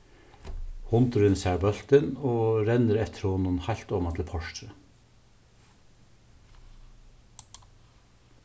hundurin sær bóltin og rennur eftir honum heilt oman til portrið